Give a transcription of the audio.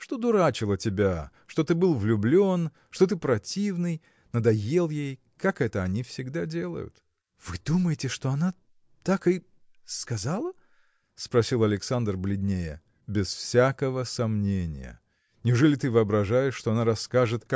– Что дурачила тебя, что ты был влюблен, что ты противный, надоел ей. как это они всегда делают. – Вы думаете, что она. так и. сказала? – спросил Александр, бледнея. – Без всякого сомнения. Неужели ты воображаешь что она расскажет